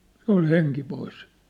se oli henki pois